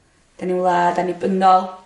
'dan ni'n wlad annibynnol.